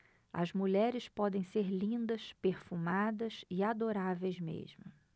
as mulheres podem ser lindas perfumadas e adoráveis mesmo